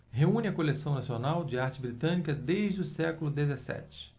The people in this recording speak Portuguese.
reúne a coleção nacional de arte britânica desde o século dezessete